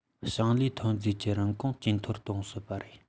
ཞིང ལས ཐོན རྫས ཀྱི རིན གོང ཇེ མཐོར གཏོང སྲིད པ རེད